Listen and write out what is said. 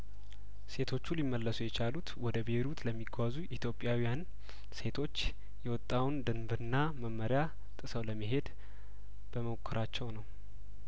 ሴቶቹ ሊመለሱ የቻሉት ወደ ቤይሩት ለሚጓዙ ኢትዮጵያውያን ሴቶች የወጣውን ደንብና መመሪያ ጥሰው ለመሄድ በመሞከራቸው ነው